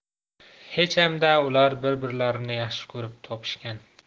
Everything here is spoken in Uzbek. hecham da ular bir birlarini yaxshi ko'rib topishgan